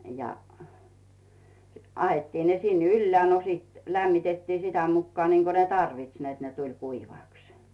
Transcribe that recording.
ja ahdettiin ne sinne ylös no sitten lämmitettiin sitä mukaa niin kuin ne tarvitsi että ne tuli kuivaksi